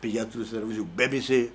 Pyantuuru sara bɛɛ bɛ se